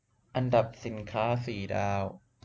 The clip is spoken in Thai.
อันดับสินค้าสี่ดาว